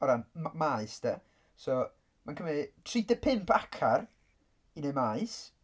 O ran m- maes 'de? So mae'n cymyd tri deg pump acar i wneud maes.